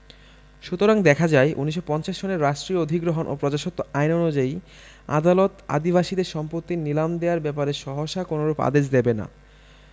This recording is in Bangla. সুতরাং দেখা যায় ১৯৫০ সনের রাষ্ট্রীয় অধিগ্রহণ ও প্রজাস্বত্ব আইন অনুযায়ী আদালত আদিবাসীদের সম্পত্তি নীলাম দেয়ার ব্যাপারে সহসা কোনরূপ আদেশ দেবেনা